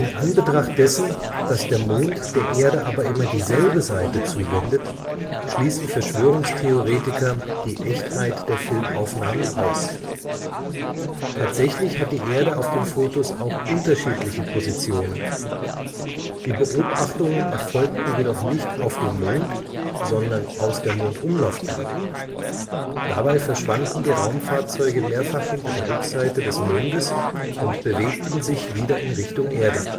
Anbetracht dessen, dass der Mond der Erde aber immer dieselbe Seite zuwendet, schließen Verschwörungstheoretiker die Echtheit der Filmaufnahmen aus. Tatsächlich hat die Erde auf den Fotos auch unterschiedliche Positionen. Die Beobachtungen erfolgten jedoch nicht auf dem Mond, sondern aus der Mondumlaufbahn. Dabei verschwanden die Raumfahrzeuge mehrfach hinter der Rückseite des Mondes und bewegten sich wieder in Richtung Erde